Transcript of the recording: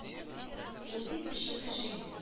Ул бик көчле кеше иде